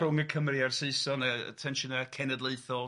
Rhwng y Cymry a'r Saeson yy y tensiynau cenedlaethol... Ia